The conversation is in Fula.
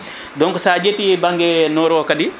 donc sa ƴetti bnaggue nord o kadi